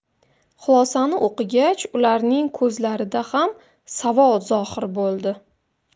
xulosani o'qigach ularning ko'zlarida ham savol zohir bo'ldi